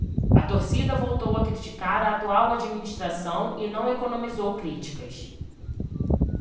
a torcida voltou a criticar a atual administração e não economizou críticas